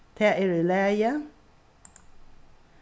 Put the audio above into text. tað er í lagi